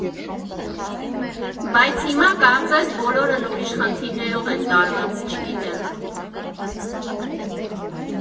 Բայց հիմա կարծես բոլորն ուրիշ խնդիրներով են տարված, չգիտեմ։